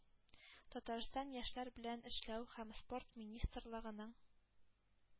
Татарстан яшьләр белән эшләү һәм спорт министрлыгының